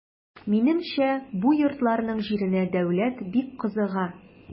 Минемчә бу йортларның җиренә дәүләт бик кызыга.